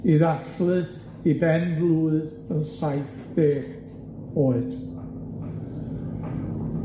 i ddathlu 'i ben-blwydd yn saith deg oed.